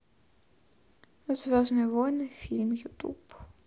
звездные войны фильм ютуб